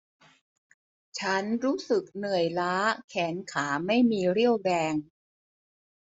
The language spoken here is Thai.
ฉันรู้สึกเหนื่อยล้าแขนขาไม่มีเรี่ยวแรง